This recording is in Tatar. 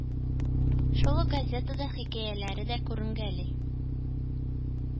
Шул ук газетада хикәяләре дә күренгәли